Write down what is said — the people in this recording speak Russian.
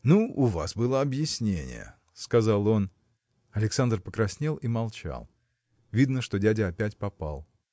Ну, у вас было объяснение, – сказал он. Александр покраснел и молчал. Видно, что дядя опять попал.